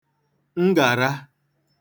ngàra